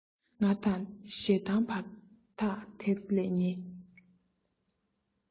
ང དང ཞེ སྡང བར ཐག དེ ལས ཉེ